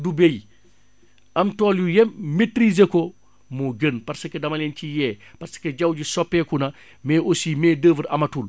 du bay am tool yu yam maitriser ko moo gën parce que dama leen ciy yee parce que jaww ji soppeeku na mais aussi main d' oeuvre amatul